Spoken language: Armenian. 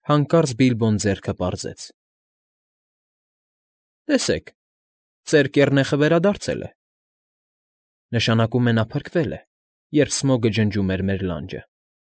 Հանկարծ Բիլբոն ձեռքը պարզեց։ ֊ Տեսեք, ծեր կեռնեխը վերադարձել է… նշանակում է, նա փրկվել է, երբ Սմոգը ջնջում էր մեր լանջը։